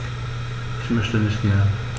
Ich möchte nicht mehr.